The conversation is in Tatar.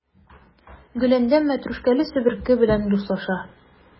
Гөләндәм мәтрүшкәле себерке белән дуслаша.